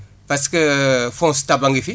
parce que Fongtab a ngi fi